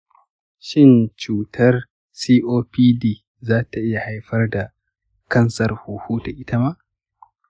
shin cutar copd za ta iya haifar da kansar huhu ita ma?